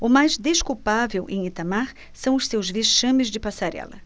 o mais desculpável em itamar são os seus vexames de passarela